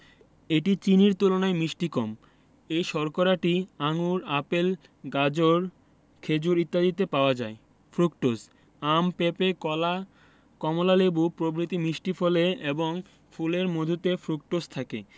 এটি চিনির তুলনায় মিষ্টি কম এই শর্করাটি আঙুর আপেল গাজর খেজুর ইত্যাদিতে পাওয়া যায় ফ্রুকটোজ আম পেপে কলা কমলালেবু প্রভৃতি মিষ্টি ফলে এবং ফুলের মধুতে ফ্রুকটোজ থাকে